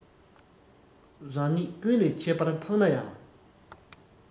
རང ཉིད ཀུན ལས ཁྱད པར འཕགས ན ཡང